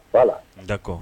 Bala dakɔ